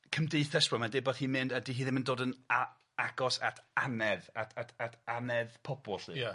Cymdeithas rŵan mae'n deud bod hi'n mynd a 'di hi ddim yn dod yn a- agos at anedd, at at at anedd pobol 'lly. Ia.